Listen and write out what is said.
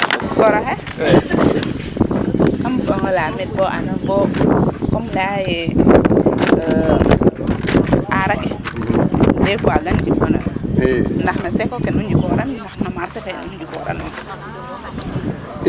Koor oxe kaam bug'ong a laamit bo and bo kom laya yee aar ake dés fois kan njikwanooyo ndax no seko ke nu njikoran ndax no marse fe nu njikoranoyo?